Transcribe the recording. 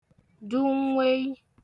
dụ nwèi